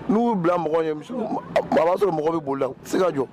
Nu tu bila mɔgɔw ɲɛ ma ba sɔrɔ mɔgɔw bi boli la u te se ka jɔ.